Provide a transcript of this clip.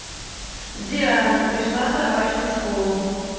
диана пришла собачка в школу